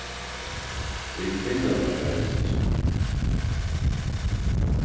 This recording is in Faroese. vit finna tað bara ikki